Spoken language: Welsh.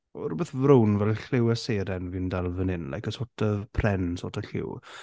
rhywbeth frown fel lliw y seren fi'n dal fan hyn like a sort of pren sort of lliw.